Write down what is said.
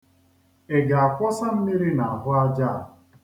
Ị ga-akwọsa mmiri n'ahụ aja a?